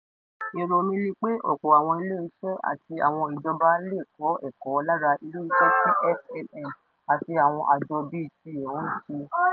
Èrò mi ni pé ọ̀pọ̀ àwọn ilé-iṣẹ́ àti àwọn ìjọba lè kọ́ ẹ̀kọ́ lára irú iṣẹ́ tí FMM àti àwọn àjọ bíi tiẹ̀ ń ṣe.